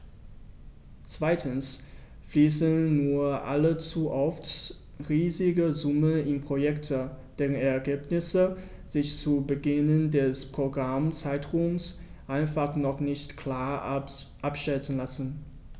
Zweitens fließen nur allzu oft riesige Summen in Projekte, deren Ergebnisse sich zu Beginn des Programmzeitraums einfach noch nicht klar abschätzen lassen.